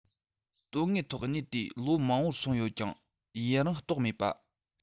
དོན དངོས ཐོག གནས ཏེ ལོ མང པོ སོང ཡོད ཀྱང ཡུན རིང རྟོགས མེད པ